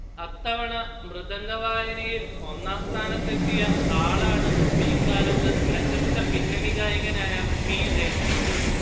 അത്തവണ മൃദംഗവായനയിൽ ഒന്നാം സ്ഥാനത്തെത്തിയ ആളാണ് പിൽക്കാലത്ത് പ്രശസ്ത പിന്നണി ഗായകനായ പി ജയചന്ദ്രൻ